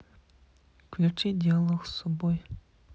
включи диалог с собой